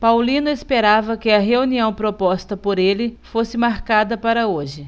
paulino esperava que a reunião proposta por ele fosse marcada para hoje